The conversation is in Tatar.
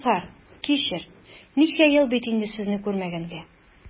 Зинһар, кичер, ничә ел бит инде сезне күрмәгәнгә!